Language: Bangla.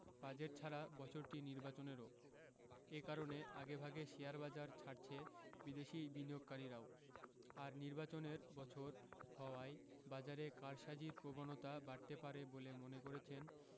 বাজেট ছাড়া বছরটি নির্বাচনেরও এ কারণে আগেভাগে শেয়ারবাজার ছাড়ছে বিদেশি বিনিয়োগকারীরাও আর নির্বাচনের বছর হওয়ায় বাজারে কারসাজির প্রবণতা বাড়তে পারে বলে মনে করছেন